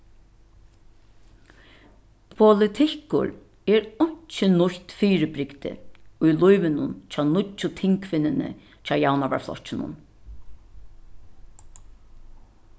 politikkur er einki nýtt fyribrigdi í lívinum hjá nýggju tingkvinnuni hjá javnaðarflokkinum